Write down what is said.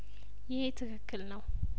ይሄ ትክክል ነው